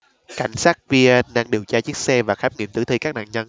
cảnh sát vienna vẫn đang điều tra chiếc xe và khám nghiệm tử thi các nạn nhân